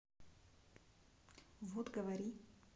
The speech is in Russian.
вот говори